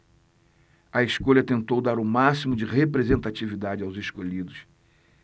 a escolha tentou dar o máximo de representatividade aos escolhidos